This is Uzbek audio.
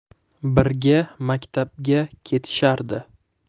birga maktabga ketishardi